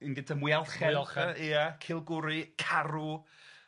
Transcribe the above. Un gynta mwyalchen. Mwyalchen. Ia cilgwri, carw.